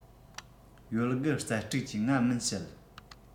ཡོད རྒུ རྩལ སྤྲུགས ཀྱིས ང མིན བཤད